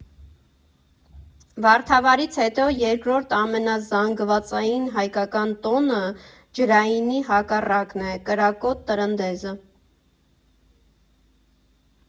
Վարդավառից հետո երկրորդ ամենազանգվածային հայկական տոնը ջրայինի հակառակն է՝ կրակոտ Տրնդեզը։